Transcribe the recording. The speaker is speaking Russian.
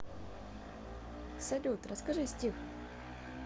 салют расскажи стих